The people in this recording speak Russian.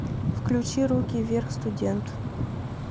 включи руки вверх студент